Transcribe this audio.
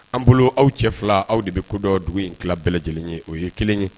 An bolo aw cɛ fila aw de bɛ kodɔn dugu in tila bɛɛ lajɛlen ye o ye kelen ye